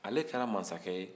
ale kɛra mansakɛ ye